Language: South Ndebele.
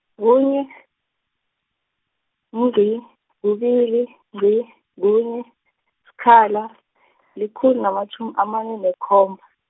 kunye , ngungci, kubili, ngci, kunye, sikhala , likhulu namatjhumi amane nekhomba.